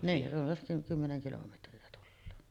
niin runsas kymmenen kilometriä tulee